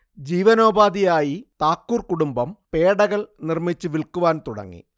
ജീവനോപാധിയായി താക്കൂർ കുടുംബം പേഡകൾ നിർമ്മിച്ച് വിൽക്കുവാൻ തുടങ്ങി